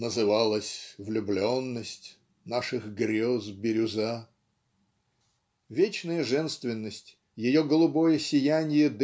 "Называлась: влюбленность -- наших грез бирюза". Вечная женственность ее голубое сиянье